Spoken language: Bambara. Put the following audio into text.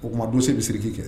O tuma don se bɛ siri' kɛ